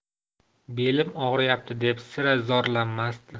belim og'riyapti deb sira zorlanmasdi